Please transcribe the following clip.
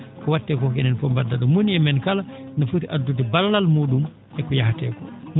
ko watte ko ko enen foof mbaddata ?um moni e men kala ne foti addude ballal mu?um eko yahate ko